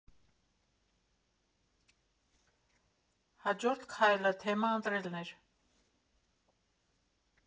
Հաջորդ քայլը թեմա ընտրելն էր։